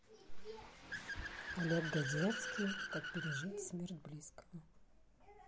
олег гадецкий как пережить смерть близкого